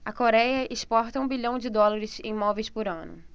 a coréia exporta um bilhão de dólares em móveis por ano